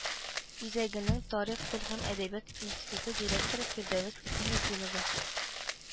Үзәгенең тарих, тел һәм әдәбият институты директоры фирдәвес хисаметдинова